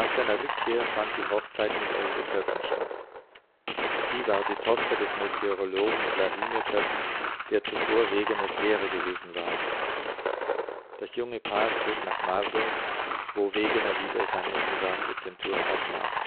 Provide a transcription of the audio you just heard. seiner Rückkehr fand die Hochzeit mit Else Köppen statt. Sie war die Tochter des Meteorologen Wladimir Köppen, der zuvor Wegeners Lehrer gewesen war. Das junge Paar zog nach Marburg, wo Wegener wieder seine Privatdozentur aufnahm